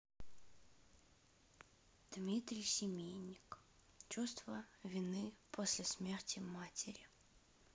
дмитрий семенник чувство вины после смерти матери